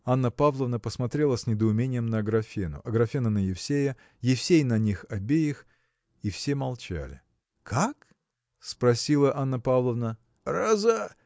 Анна Павловна посмотрела с недоумением на Аграфену Аграфена на Евсея Евсей на них обеих и все молчали. – Как? – спросила Анна Павловна. – Разо.